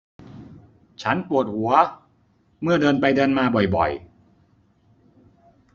ฉันปวดหัวเมื่อเดินไปเดินมาบ่อยบ่อย